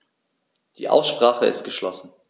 Die Aussprache ist geschlossen.